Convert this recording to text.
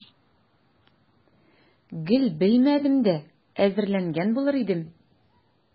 Гел белмәдем дә, әзерләнгән булыр идем.